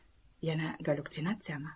yana gallyutsinatsiyami